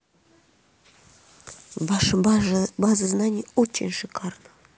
ваша база знаний очень шикарно